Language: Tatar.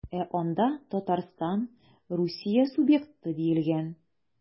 Ә анда Татарстан Русия субъекты диелгән.